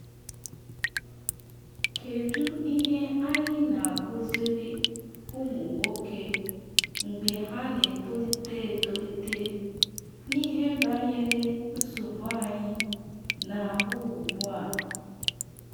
‘Kedu ihe anyị na-akuziri ụmụ-nwoke mgbe ha na-etolite etolite, n’ihe banyere nsogbu anyị na-ahụ ugbu a?’